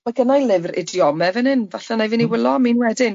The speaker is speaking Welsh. Ma gynna i lyfr idiome fan hyn, falla wna i fynd i wylo am un wedyn.